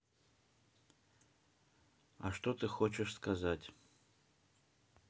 а что ты хочешь сказать